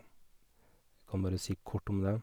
Jeg kan bare si kort om det.